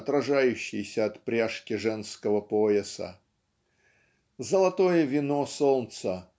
отражающийся от пряжки женского пояса. Золотое вино солнца